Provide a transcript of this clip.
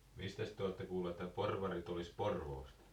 mistäs te olette kuullut että Porvarit olisi Porvoosta